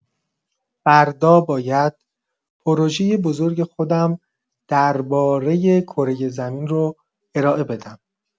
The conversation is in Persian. فردا باید پروژه بزرگ خودم درباره کره زمین رو ارائه بدم.